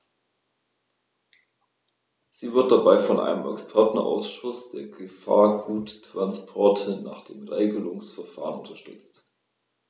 Sie wird dabei von einem Expertenausschuß für Gefahrguttransporte nach dem Regelungsverfahren unterstützt.